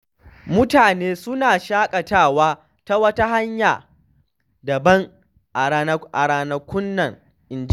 “Mutane suna shaƙatawa ta wata hanya daban” a ranakun nan, injin shi.